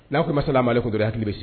N'aw kɛlen ma sala maale ko hakili bɛ sigi